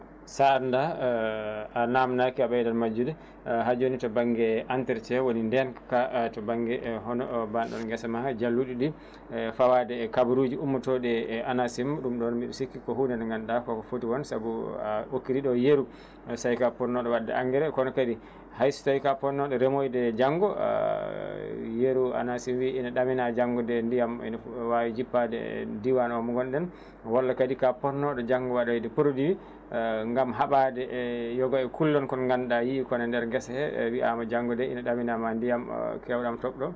sa anda a namnaki a ɓeydoto majjude ha jooni to banŋnge entretien woni denkaka to banŋnge hono ba ɗon geesa ma to jalluɗiɗi e fawade e kabaruji ummotoɗi e ANACIM ɗum ɗon mbiɗa sikki ko hunde nde gannduɗa koko footi woon saabu a hokkiriɗo yeeru so tawi ka ponnoɗo wadde engrais kono kadi hayso tawi ko ponnoɗo remoyde janŋgo yeero ANACIM wii ina ɗamina janŋgo de ndiyam ina wawi jippade e diwan o mo gonɗen walla akdi ka ponnoɗo janŋgo waɗoyde produit gaam haɓede e yogay kullon kon gannduɗa a yii kon e nder geesa hee a wiyama janŋgo de ina ɗamina ma ndiyam kewɗam toob